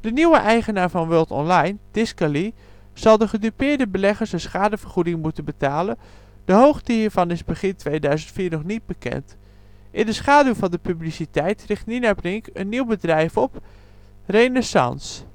nieuwe eigenaar van World Online Tiscali zal de gedupeerde beleggers een schadevergoeding moeten betalen; de hoogte hiervan is begin 2004 nog niet bekend. In de schaduw van de publiciteit richt Nina Brink een nieuw bedrijf op, Renessence